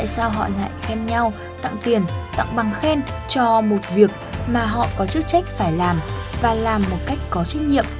tại sao họ lại khen nhau tặng tiền tặng bằng khen cho một việc mà họ có chức trách phải làm và làm một cách có trách nhiệm